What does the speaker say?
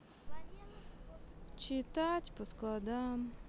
читать по складам